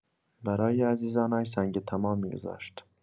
برای عزیزانش سنگ تمام می‌گذاشت.